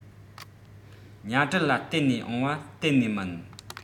ཉ གྲུ ལ གཏད ནས འོང བ གཏན ནས མིན